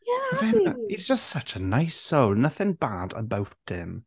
Ie a fi... He's just a nice soul, nothing bad about him.